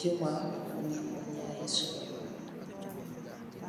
Jumaa mingi ameh nyari soorool